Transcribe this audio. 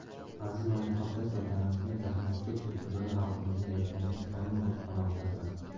aziz va muqaddas vatanimizni zahmatkash va fidoyi xalqimizni yaratganimiz doimo o'z panohida asrasin